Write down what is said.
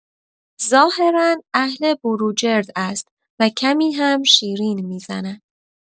ظاهرا اهل بروجرد است و کمی هم شیرین می‌زند.